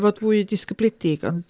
Bod fwy disgybledig, ond...